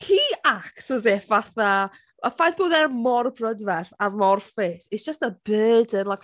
He acts as if fatha, y ffaith bod e mor brydferth a mor ffit, it's just a burden, like...